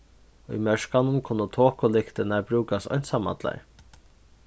í mjørkanum kunnu tokulyktirnar brúkast einsamallar